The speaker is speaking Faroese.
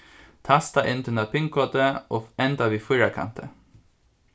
tasta inn tína pin-kodu og enda við fýrakanti